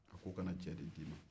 a ko kana cɛ de d'i ma